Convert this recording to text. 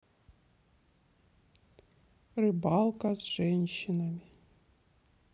рыбалка с женщинами